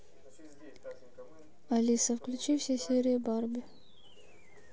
алиса включи все серии барби